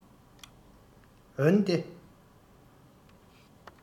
འོན ཏེ